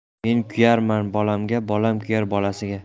men kuyarman bolamga bolam kuyar bolasiga